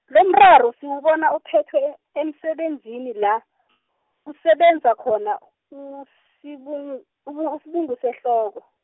lomraro siwubona uphethwe emsebenzini la , kusebenza khona usibunu- ubu uSibungusehloko.